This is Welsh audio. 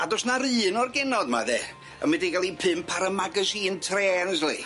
A do's na run o'r genod ma' ynde yn mynd i ga'l i pump ar y magazine trens yli.